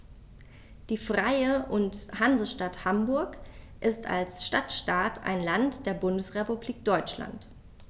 Die Freie und Hansestadt Hamburg ist als Stadtstaat ein Land der Bundesrepublik Deutschland.